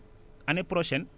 année prochaine